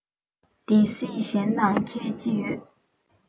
དེ སྲིད གཞན དང ཁྱད ཅི ཡོད